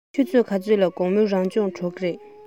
ཆུ ཚོད ག ཚོད ལ དགོང མོའི རང སྦྱོང གྲོལ གྱི རེད